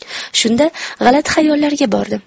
shunda g'alati xayollarga bordim